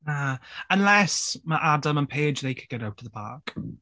Na unless ma' Adam and Paige they kick it out the park.